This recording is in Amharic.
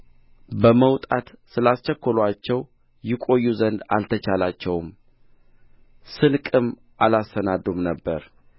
በመውጣት ስላስቸኰሉአቸው ይቈዩ ዘንድ አልተቻላቸውም ስንቅም አላሰናዱም ነበር